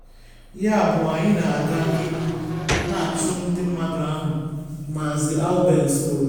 Yabụ anyị na aga n’ihu na achụ ndị mmadụ ahụ,” Maazị Albence kwuru.